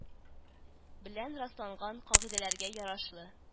Белән расланган кагыйдәләргә ярашлы